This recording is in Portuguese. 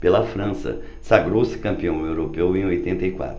pela frança sagrou-se campeão europeu em oitenta e quatro